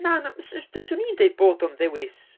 Na na fysw- fyswn i'n dweud bod o'n ddewis.